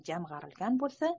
jamg'arilgan bo'lsa